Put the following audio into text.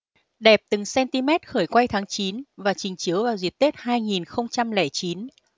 đẹp từng centimet khởi quay tháng chín và trình chiếu vào dịp tết hai nghìn không trăm lẻ chín